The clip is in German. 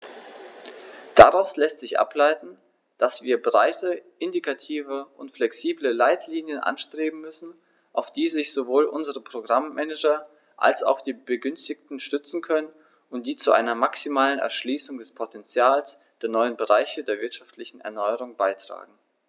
Daraus lässt sich ableiten, dass wir breite, indikative und flexible Leitlinien anstreben müssen, auf die sich sowohl unsere Programm-Manager als auch die Begünstigten stützen können und die zu einer maximalen Erschließung des Potentials der neuen Bereiche der wirtschaftlichen Erneuerung beitragen.